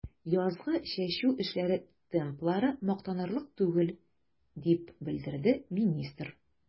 Язгы чәчү эшләре темплары мактанырлык түгел, дип белдерде министр.